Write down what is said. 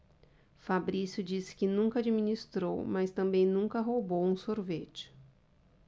fabrício disse que nunca administrou mas também nunca roubou um sorvete